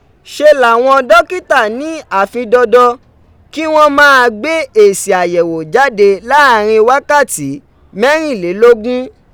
Se lawọn dokita ni afi dandan ki wọn maa gbe esi ayẹwo jade laarin wakati mẹrinlelogun.